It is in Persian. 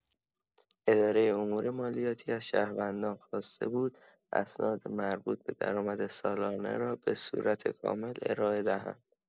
اداره امورمالیاتی از شهروندان خواسته بود اسناد مربوط به درآمد سالانه را به‌صورت کامل ارائه دهند.